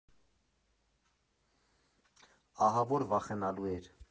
Ահավոր վախենալու էր։